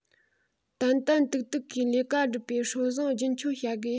ཏན ཏན ཏིག ཏིག གིས ལས ཀ སྒྲུབ པའི སྲོལ བཟང རྒྱུན འཁྱོངས བྱ དགོས